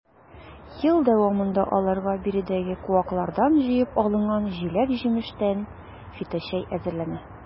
Ел дәвамында аларга биредәге куаклардан җыеп алынган җиләк-җимештән фиточәй әзерләнә.